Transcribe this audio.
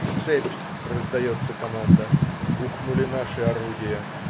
"В цепь!" - раздается команда. Ухнули наши орудия.